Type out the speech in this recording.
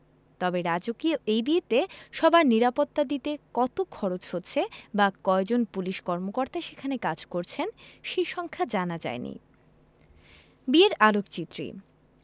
তবে রাজকীয় এই বিয়েতে সবার নিরাপত্তা দিতে কত খরচ হচ্ছে বা কয়জন পুলিশ কর্মকর্তা সেখানে কাজ করছেন সেই সংখ্যা জানা যায়নি বিয়ের আলোকচিত্রী